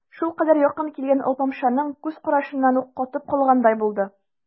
Шулкадәр якын килгән алпамшаның күз карашыннан ул катып калгандай булды.